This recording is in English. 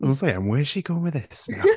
I was gonna say, where's she going with this now?